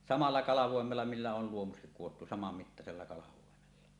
samalla kalvoimella millä oli luomukset kudottu samanmittaisella kalvoimella